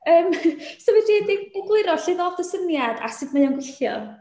Yym so fedri di egluro lle ddoth y syniad, a sut mae o'n gweithio?